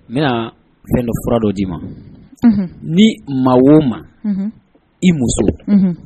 N bɛna fɛn dɔ fura dɔ di ma, unhun! furadɔma ni muso muso